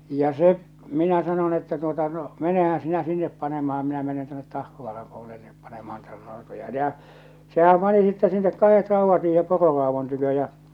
ja se minä sanon että tuota no menehän sinä sinne panemaan minä menen tuonne Tahkovaaran puolelle panemaan niitä rautoja ja sehän pani sitten sinne kahdet raudat siihen pororaadon tykö ja